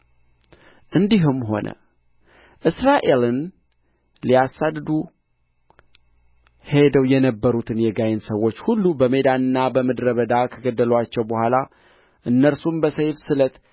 እንዲህም ሆነ እስራኤልን ሊያሳድዱ ሄደው የነበሩትን የጋይን ሰዎች ሁሉ በሜዳና በምድረ በዳ ከገደሉአቸው በኋላ እነርሱም በሰይፍ ስለት